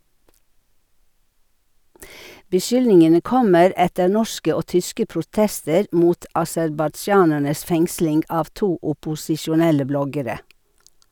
Beskyldningene kommer etter norske og tyske protester mot aserbajdsjanernes fengsling av to opposisjonelle bloggere.